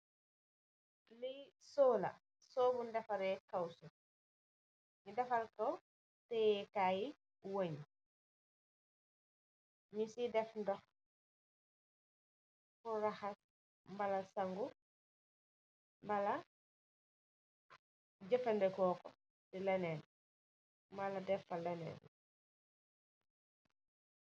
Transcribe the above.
Le sewu la sewu bun defaree kawsu nu defal ko teyeekaayi woñ ñi ci def ndox purr raxas mbala sangu mbala jëfandekoo ko ci leneen mbala defa lenee.